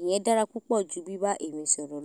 ìyẹn dára púpọ̀ jú bíbá èmi sọ̀rọ̀ lọ.